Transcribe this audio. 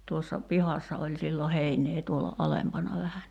tuossa pihassa oli silloin heinää tuolla alempana vähän niin